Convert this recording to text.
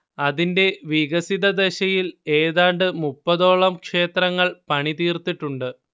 അതിന്റെ വികസിതദശയിൽ ഏതാണ്ട് മുപ്പതോളം ക്ഷേത്രങ്ങൾ പണിതീർത്തിട്ടുണ്ട്